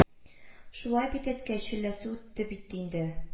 Шулай бит, әткәй, челләсе үтте бит инде